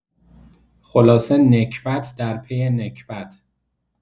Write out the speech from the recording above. خلاصه نکبت در پی نکبت!